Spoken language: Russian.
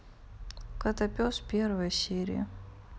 котопес первая серия